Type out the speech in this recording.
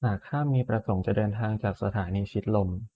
หากข้ามีประสงค์จะเดินทางจากสถานีชิดลม